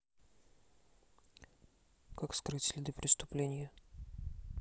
как скрыть следы преступления